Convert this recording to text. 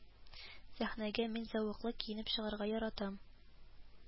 Сәхнәгә мин зәвыклы киенеп чыгарга яратам